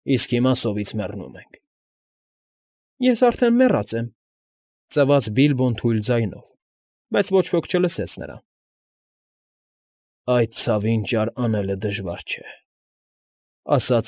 Իսկ հիմա սովից մեռնում ենք։ ֊ Ես արդեն մեռած եմ,֊ ծվաց Բիլբոն թույլ ձայնով, բայց ոչ ոք չլսեց նրան։ ֊ Այդ ցավին ճար անելը դժվար չէ,֊ ասաց։